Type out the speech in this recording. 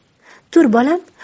tur bolam